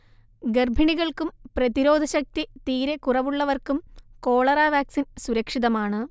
ഗർഭിണികൾക്കും പ്രതിരോധശക്തി തീരെ കുറവുള്ളവർക്കും കോളറ വാക്സിൻ സുരക്ഷിതമാണ്